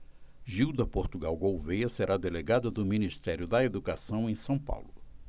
gilda portugal gouvêa será delegada do ministério da educação em são paulo